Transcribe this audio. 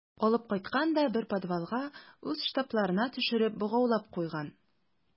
Алып кайткан да бер подвалга үз штабларына төшереп богаулап куйган.